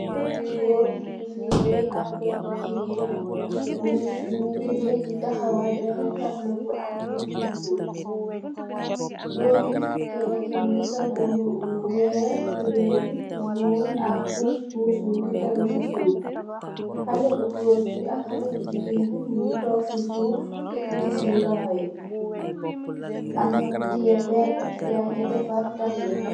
Goor ak gigeen nyunge legey di takhawal tabla goor yi kenah si nyum munge sul lu wekh ak tobaybi niol, ak puss puss nyu gi teegu si suif.